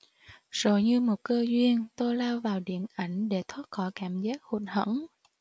rồi như một cơ duyên tôi lao vào điện ảnh để thoát khỏi cảm giác hụt hẫng